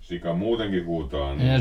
sika muutenkin huutaa niin